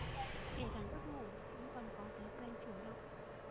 kể cả giấc ngủ cũng cần có thói quen chủ động